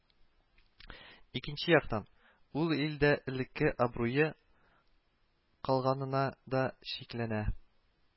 Икенче яктан, ул илдә элекке абруе калганына да шикләнә